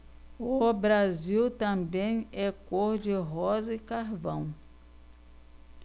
o brasil também é cor de rosa e carvão